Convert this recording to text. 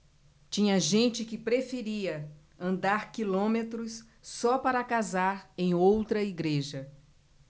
tinha gente que preferia andar quilômetros só para casar em outra igreja